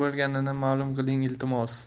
bo'lganligini ma'lum qiling iltimos